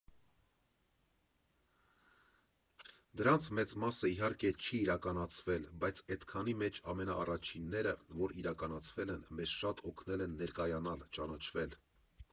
Դրանց մեծ մասը, իհարկե, չի իրականացվել, բայց էդքանի մեջ ամենաառաջինները, որ իրականացվել են, մեզ շատ օգնել են ներկայանալ, ճանաչվել։